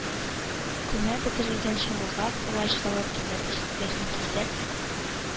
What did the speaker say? Күмә бөтерелгән чоңгылга колач салып килеп җитте һәм кисәк